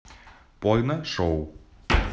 порно шоу